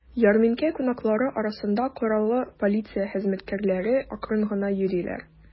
Ярминкә кунаклары арасында кораллы полиция хезмәткәрләре акрын гына йөриләр.